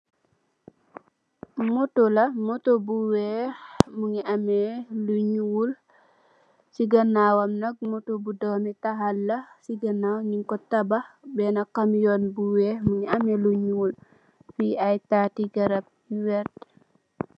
Moto la moto bu weex mongi ame lu nuul si ganawam nak moto bu domitaal la si ganaw nyun ko tabax mongi am bena kamiyun mongi ame lu nuul fi ay tati garab yu werta.